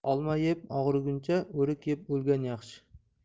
olma yeb og'riguncha o'rik yeb o'lgan yaxshi